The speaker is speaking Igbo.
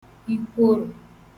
ikworò